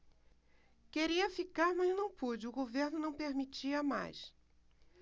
queria ficar mas não pude o governo não permitia mais